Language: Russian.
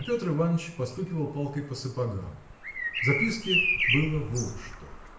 а Петр Иваныч постукивал палкой по сапогам. В записке было вот что